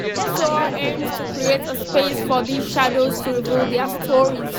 The tour aims to create a space for these shadows to reveal their stories.